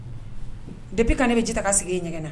Depuis quand ne bɛ ji ta ka segin e ye ɲɛgɛn na?